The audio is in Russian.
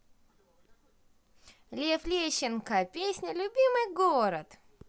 лев лещенко песня любимый город